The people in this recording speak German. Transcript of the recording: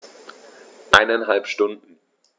Eineinhalb Stunden